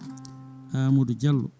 Amadou Diallo